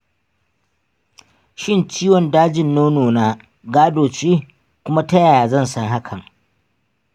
shin ciwon dajin nono na gado ce, kuma ta yaya zan san hakan?